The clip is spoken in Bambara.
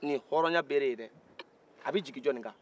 nin ye hɔraya beere ye dɛ a b'i jiguin jɔn ka